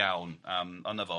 Iawn yym ynyddol,